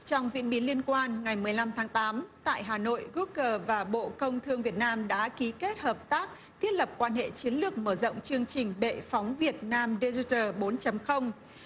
trong diễn biến liên quan ngày mười lăm tháng tám tại hà nội gúc gờ và bộ công thương việt nam đã ký kết hợp tác thiết lập quan hệ chiến lược mở rộng chương trình bệ phóng việt nam đê diu tờ bốn chấm không